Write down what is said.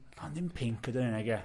O, ond dim pinc ydyn ni, nage?